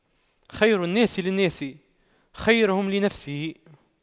خير الناس للناس خيرهم لنفسه